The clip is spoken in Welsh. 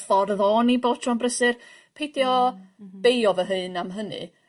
ffordd o'n i bob tro'n brysur peidio beio fy hun am hynny.